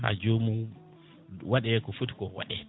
ha jomum waɗe ko foti ko waɗe